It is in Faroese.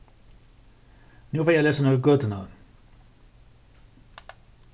nú fari eg at lesa nøkur gøtunøvn